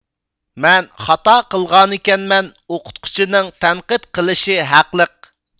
مەن خاتا قىلغانىكەنمەن ئوقۇتقۇچىنىڭ تەنقىد قىلىشى ھەقلىق